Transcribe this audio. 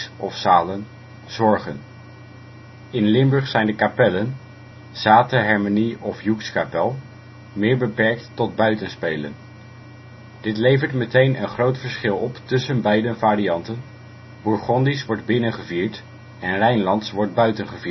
cafés/zalen) zorgen. In Limburg zijn de kapellen (Zaate Hermenie of Joekskapel) meer beperkt tot buiten spelen. Dit levert meteen een groot verschil op tussen beide varianten: Bourgondisch wordt binnen gevierd en Rijnlands wordt buiten